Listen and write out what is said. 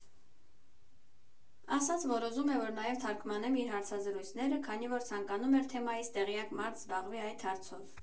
Ասաց, որ ուզում է, որ նաև թարգմանեմ իր հարցազրույցները, քանի որ ցանկանում էր թեմայից տեղյակ մարդ զբաղվի այդ հարցով։